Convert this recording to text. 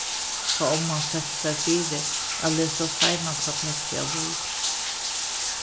tá omman setti sær fyri at lesa seinasta pettið av bókini